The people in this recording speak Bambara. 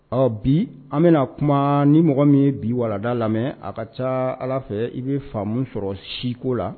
Ɔɔ, bi an bɛna kuma, ni mɔgɔ min ye bi walanda lamɛn, a ka ca Ala fɛ i bɛ faamu sɔrɔ si ko la